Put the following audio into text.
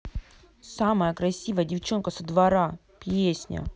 самая красивая девчонка со двора песня